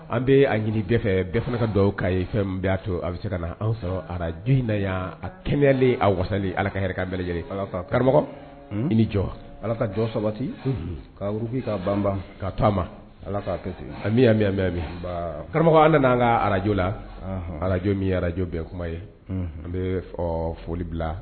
An bɛ a ɲini de bɛɛ fana ka dɔw'a ye fɛn y'a to a bɛ se ka na anw sɔrɔ araj in na yan a kɛnɛyalen a wasaali ala ka hɛrɛ bɛɛ lajɛlen ala karamɔgɔ i ni jɔ ala ka jɔ sabati kaurufin ka ban ka to ma ala ka kɛ an mi mi an bɛ min karamɔgɔ an nana an ka arajo la arajo min arajo bɛɛ kuma ye an bɛ foli bila